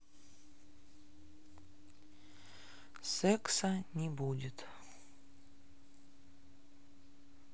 секса не будет